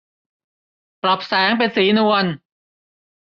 ปรับแสงเป็นสีนวล